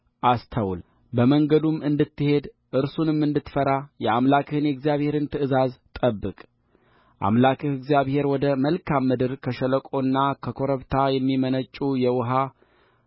አስተውልበመንገዱም እንድትሄድ እርሱንም እንድትፈራ የአምላክህን የእግዚአብሔርን ትእዛዝ ጠብቅአምላክህ እግዚአብሔር ወደ መልካም ምድር ከሸለቆና ከኮረብታ የሚመነጩ የውኃ